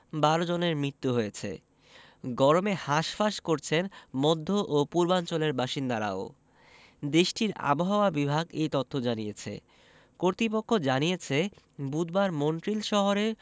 ১২ জনের মৃত্যু হয়েছে গরমে হাসফাঁস করছেন মধ্য ও পূর্বাঞ্চলের বাসিন্দারাও দেশটির আবহাওয়া বিভাগ এ তথ্য জানিয়েছে কর্তৃপক্ষ জানিয়েছে বুধবার মন্ট্রিল শহরে